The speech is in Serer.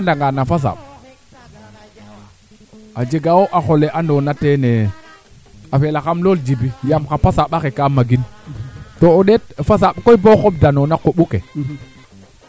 xoox fo ne o oñtaa Djiby ga'a ye inooruma qola gata pour gariid mene yaaga kam oñ boo ndok ne mi taɓ o ndeet koy tiya ga o waandin bo jegin